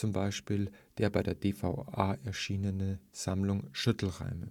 zum Beispiel die bei der DVA erschienene Sammlung Schüttelreime